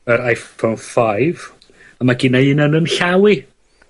yr Iphone five, a ma' ginnai un yn 'yn llaw i.